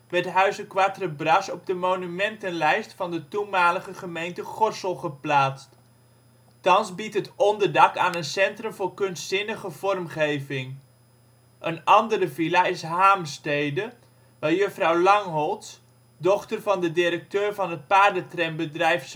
werd huize Quatre Bras op de monumentenlijst van de toenmalige gemeente Gorssel geplaatst. Thans biedt het onderdak aan een centrum voor kunstzinnige vormgeving. Een andere villa is ' Haemstede ', waar juffrouw Langholts, dochter van de directeur van het paardentrambedrijf